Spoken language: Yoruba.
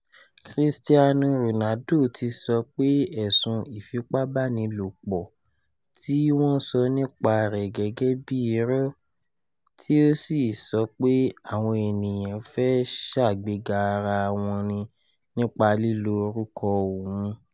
Cristiano Ronaldo ti sọ pé ẹ̀sùn ìfipabanilòpọ̀ ti wọn sọ nípa rẹ̀ gẹ́gẹ́bí i “ìròyìn irọ́,” tí ó sì sọ pé àwọn ènìyàn “fẹ́ ṣàgbéga ara wọn ni” nípa lílo orúkọ òhun.